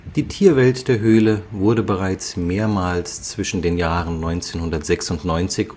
Die Tierwelt der Höhle wurde bereits mehrmals erforscht. So fanden am 4. Oktober 1996